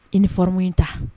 uniforme in ta.